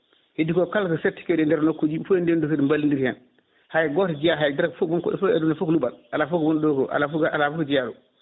heddi ko kala to satti kadi e nder nokkuji yimɓe foof ne dendi kadi ballodiri hen hay goto jeya haydara fo kowoni ɗo e aduna ko foof ko luuɓal ala foof ko woni ɗo ala fo ala fo ko jeeyaɗo